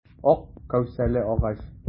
Ак кәүсәле агач.